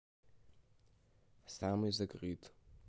самый закрыт